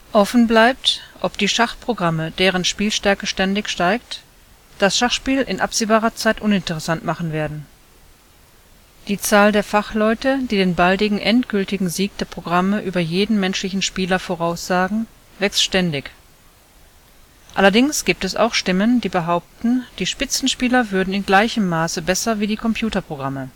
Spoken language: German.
Offen bleibt, ob die Schachprogramme, deren Spielstärke ständig steigt, das Schachspiel in absehbarer Zeit uninteressant machen werden. Die Zahl der Fachleute, die den baldigen endgültigen Sieg der Programme über jeden menschlichen Spieler voraussagen, wächst ständig. Allerdings gibt es auch Stimmen, die behaupten, die Spitzenspieler würden in gleichem Maße besser wie die Computerprogramme